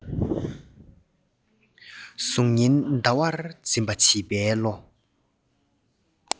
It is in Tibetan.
གཟུགས བརྙན ཟླ བར འཛིན པ བྱིས པའི བློ